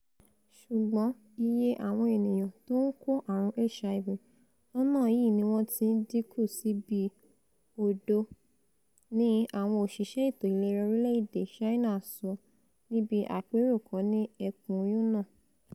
Ṣùgbọn iye àwọn ènìyàn tó ńkó ààrùn HIV lọ́nà yìí ni wọ́n ti dínkù sí bíi òdo, ni àwọn òṣìṣẹ́ ètò ìlera orílẹ̀-èdè Ṣáínà sọ níbi àpérò kan ni ẹkùn Yunnan.